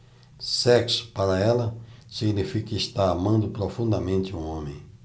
sexo para ela significa estar amando profundamente um homem